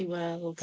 I weld...